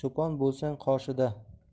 bo'l cho'pon bo'lsang qoshida